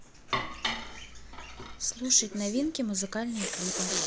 слушать новинки музыкальные клипы